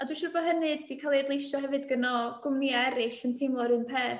A dwi'n siŵr bod hynny 'di cael ei adleisio hefyd gynno gwmnïau eraill yn teimlo yr un peth.